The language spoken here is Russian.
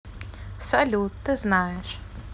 салют ты знаешь